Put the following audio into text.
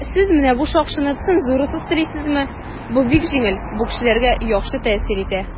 "сез менә бу шакшыны цензурасыз телисезме?" - бу бик җиңел, бу кешеләргә яхшы тәэсир итә.